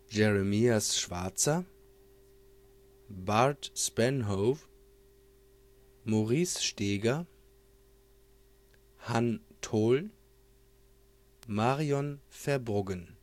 Jeremias Schwarzer Bart Spanhove Maurice Steger Han Tol Marion Verbruggen